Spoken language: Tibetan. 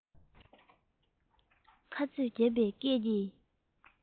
ཁ རྩོད བརྒྱབ པའི སྐད ཀྱིས